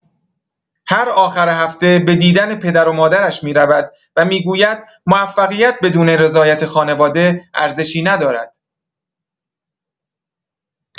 هر آخر هفته به دیدن پدر و مادرش می‌رود و می‌گوید موفقیت بدون رضایت خانواده ارزشی ندارد.